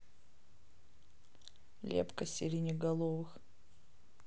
лепка сиреноголовых